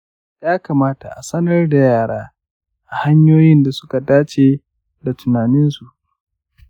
ya kamata a sanar da yara a hanyoyin da su ka dace da tunanin su.